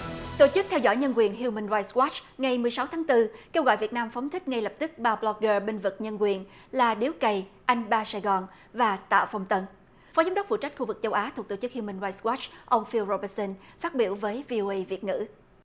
chức theo dõi nhân quyền hiu mừn roai goắt ngày mười sáu tháng tư kêu gọi việt nam phóng thích ngay lập tức ba bờ loóc gơ bênh vực nhân quyền là điếu cày anh ba sài gòn và tạ phong tần phó giám đốc phụ trách khu vực châu á thuộc tổ chức hiu mừn roai goắt ông phiu rô bét sơn phát biểu với vi ô ây việt ngữ